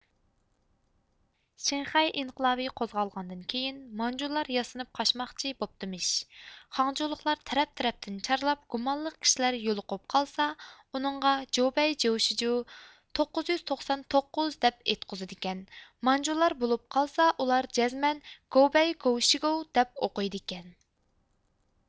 شىنخەي ئىنقىلابى قوزغالغاندىن كېيىن مانجۇلار ياسىنىپ قاچماقچى بوپتىمىش خاڭجۇلۇقلار تەرەپ تەرەپتىن چارلاپ گۇمانلىق كىشىلەر يولۇقۇپ قالسا ئۇنىڭغا جۇبەي جۇشىجۇ توققۇز يۈز توقسان توققۇز دەپ ئېيتقۇزىدىكەن مانجۇلار بولۇپ قالسا ئۇلار جەزمەن گۇۋبەي گۇۋ شىگۇۋ دەپ ئوقۇيدىكەن